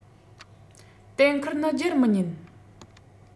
གཏན འཁེལ ནི སྒྱུར མི ཉན